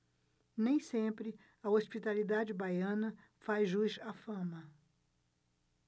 nem sempre a hospitalidade baiana faz jus à fama